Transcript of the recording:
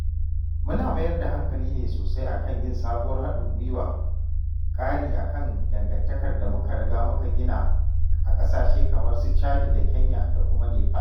Muna mayar da hankali ne sosai a kan yin sabuwar haɗin gwiwa ƙari a kan dangantakar da muka riga muka gina a ƙasashe kamar su Chad da Kenya da kuma Nepel.